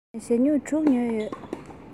ངས ཞྭ སྨྱུག དྲུག ཉོས ཡོད